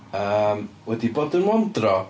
Yym wedi bod yn wondro.